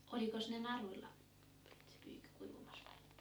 olikos ne naruilla se pyykki kuivumassa vai